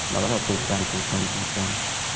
và bắt đầu tụt dần tụt dần tụt dần